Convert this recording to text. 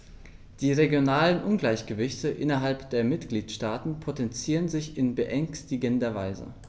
Die regionalen Ungleichgewichte innerhalb der Mitgliedstaaten potenzieren sich in beängstigender Weise.